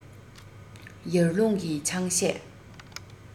ཡར ཀླུང གིས ཆང གཞས